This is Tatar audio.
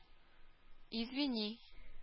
Извини